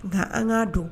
Nka an k'a don